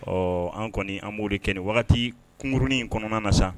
Ɔɔ an kɔni an b'o de kɛ nin wagati kuŋurunin kɔnɔna na sa